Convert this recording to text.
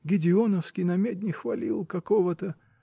Гедеоновский намедни хвалил какого-то